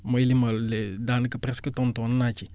mooy li ma la daanaka presque tontu woon naa ci